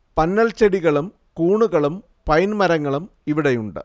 പന്നൽച്ചെടികളും കൂണുകളും പൈൻ മരങ്ങളും ഇവിടെയുണ്ട്